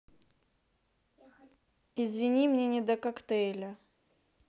извини мне не до коктейля